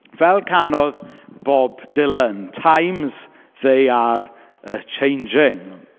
Fel canodd Bob Dylan times, they are a-changing.